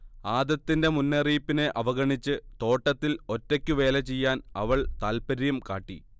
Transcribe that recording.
ആദത്തിന്റെ മുന്നറിയിപ്പിനെ അവഗണിച്ച് തോട്ടത്തിൽ ഒറ്റയ്ക്ക് വേലചെയ്യാൻ അവൾ താത്പര്യം കാട്ടി